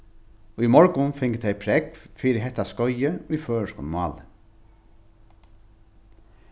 í morgun fingu tey prógv fyri hetta skeiðið í føroyskum máli